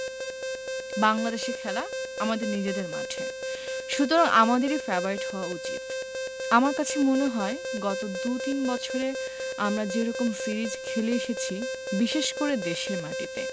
বাংলাদেশে খেলা আমাদের নিজেদের মাঠ সুতরাং আমাদেরই ফেবারিট হওয়া উচিত আমার কাছে মনে হয় গত দু তিন বছরে আমরা যে রকম সিরিজ খেলে এসেছি বিশেষ করে দেশের মাটিতে